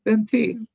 Be am ti?